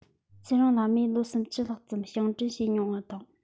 ཚེ རིང ལྷ མོས ལོ སུམ བཅུ ལྷག ཙམ ཞིང བྲན བྱེད མྱོང བ དང